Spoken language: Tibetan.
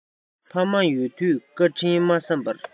ཕ མ ཡོད དུས བཀའ དྲིན མ བསམས པར